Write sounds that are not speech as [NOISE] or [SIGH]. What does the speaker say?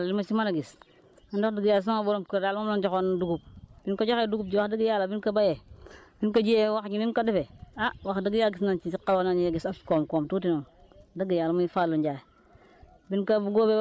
tool yi wax dëgg yàlla li ma si mën a gis man de wax dëgg yàlla sama borom kër daal moom lañ joxoon dugub bi ñu ko joxee dugub ji wax dëgg yàlla bim ko béyee [BREATH] bim ko jiyee wax ñu nim ko defee ah wax dëgg yàlla gis nañ si xawoon nañoo gis as koom-koom tuuti noonu wax dëgg yàlla muy Fallou Ndiaye